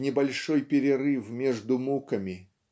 в небольшой перерыв между муками